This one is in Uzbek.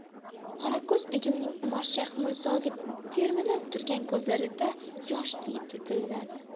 qorako'z begimning umarshayx mirzoga termilib turgan ko'zlarida yosh yiltilladi